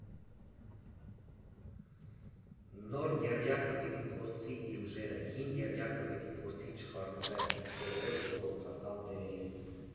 Նոր եռյակը պիտի փորձի իր ուժերը, հին եռյակը պիտի փորձի չխառնվել, սովորել երկրորդական դերերին։